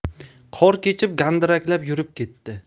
qor kechib gandiraklab yurib ketdi